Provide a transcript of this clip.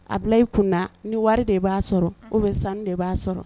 A bila i kunda ni wari de b'a sɔrɔ o bɛ sanu de b'a sɔrɔ